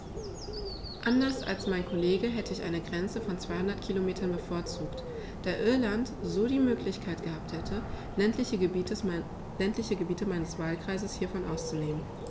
Anders als mein Kollege hätte ich eine Grenze von 200 km bevorzugt, da Irland so die Möglichkeit gehabt hätte, ländliche Gebiete meines Wahlkreises hiervon auszunehmen.